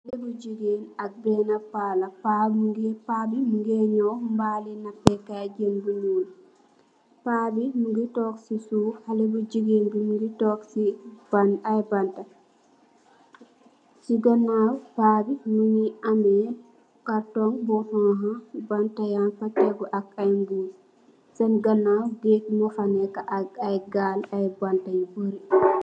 Xale bu jigeen am bena pa la pa bi moge nyaw mbali napek kai jeen bu nuul pa bi mogi tog si suuf xalae bu jigeen bi mogi tog si ay banta si ganawam pa bi mogi ameh cartoon bu xonxa banda yan fa tegu ak ay bu sen ganaw gaag mofa neka ak ay gaal ak ay banta yu bari.